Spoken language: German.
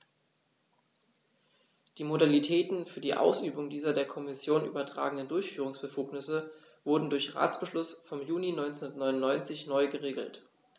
Die Modalitäten für die Ausübung dieser der Kommission übertragenen Durchführungsbefugnisse wurden durch Ratsbeschluss vom Juni 1999 neu geregelt.